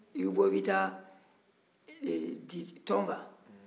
n'i ko i bɛ taa ɛɛ tɔnka